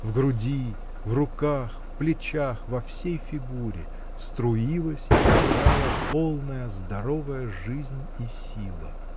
В груди, в руках, в плечах, во всей фигуре струилась и играла полная, здоровая жизнь и сила.